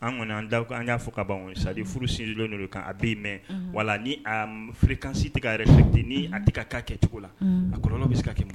An kɔni an y'a fɔ ka bansadi furu sindidon kan a bɛ yen mɛn wala ni a filikansi tigɛ yɛrɛ sɛte ni a tɛ ka ka kɛ cogo la a kɔnɔ bɛ se ka kɛ ma